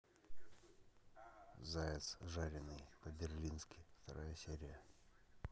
заяц жаренный по берлински вторая серия